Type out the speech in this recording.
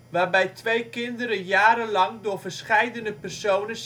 waarbij twee kinderen jarenlang door verscheidene personen